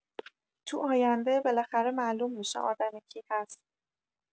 تو آینده بلاخر معلوم می‌شه آدم کی هست